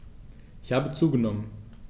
Ich habe zugenommen.